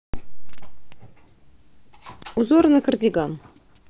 узоры на кардиган